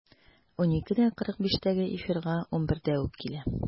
12.45-тәге эфирга 11-дә үк килә.